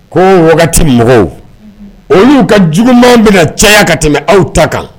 Ko wagati mɔgɔw oluu ka juguman bɛna caya ka tɛmɛ aw ta kan